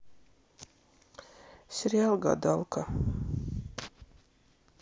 сериал гадалка